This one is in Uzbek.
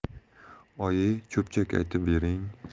oyi cho'pchak aytib bering